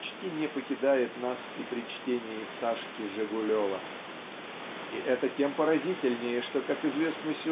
почти не покидает нас и при чтении "Сашки Жегулева". И это тем поразительнее что как известно